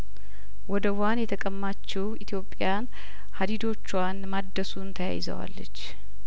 ወደቧን የተቀማችው ኢትዮጵያ ሀዲዶቿን ማደሱን ተያይዛዋለች